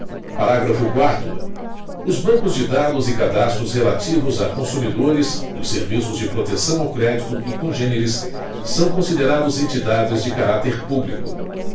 parágrafo quarto os bancos de dados e cadastros relativos a consumidores os serviços de proteção ao crédito e congêneres são considerados entidades de caráter público